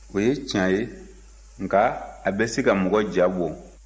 o ye tiɲɛ ye nka a bɛ se ka mɔgɔ ja bɔ